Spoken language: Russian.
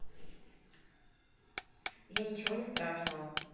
я ничего не страшного